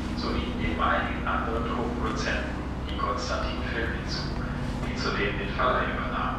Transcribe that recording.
sowie neben einigen anderen Koproduzenten die Constantin Film hinzu, die zudem den Verleih übernahm